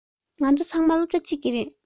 ང ཚོ ཚང མ སློབ གྲྭ གཅིག གི རེད